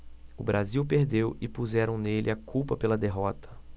o brasil perdeu e puseram nele a culpa pela derrota